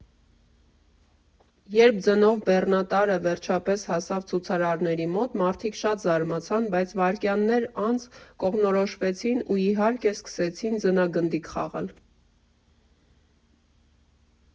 Երբ ձնով բեռնատարը վերջապես հասավ ցուցարարների մոտ, մարդիկ շատ զարմացան, բայց վայրկյաններ անց կողմնորոշվեցին ու, իհարկե, սկսեցին ձնագնդիկ խաղալ։